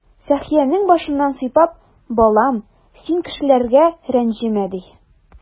Сәхиянең башыннан сыйпап: "Балам, син кешеләргә рәнҗемә",— ди.